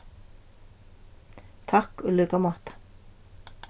takk í líka máta